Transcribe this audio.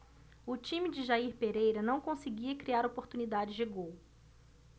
o time de jair pereira não conseguia criar oportunidades de gol